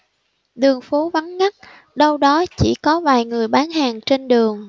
đường phố vắng ngắt đâu đó chỉ có vài người bán hàng trên đường